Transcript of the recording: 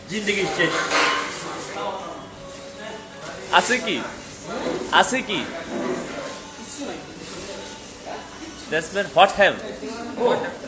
জিন্দেগী শেষ আছে কি আছে কি কিছু নাই eh that's mean what have